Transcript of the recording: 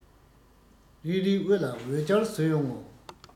རིལ རིལ དབུ ལ འོ རྒྱལ བཟོས ཡོང ངོ